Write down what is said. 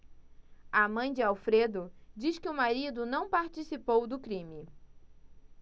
a mãe de alfredo diz que o marido não participou do crime